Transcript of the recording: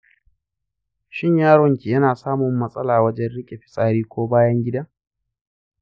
shin yaron ki yana samun matsala wajen riƙe fitsari ko bayan gida?